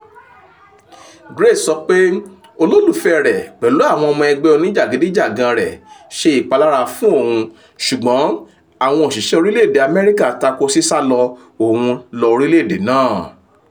Grace sọ pé olólùfẹ́ rẹ pẹ̀lú àwọn ọmọ ẹgbẹ́ oníjàgídíjàgan rẹ̀ ṣe ìpalára fún òun ṣùgbọ́n àwọn òṣìṣẹ́ orílẹ̀èdè US tako sísálọ òun lọ orílẹ̀èdè náà.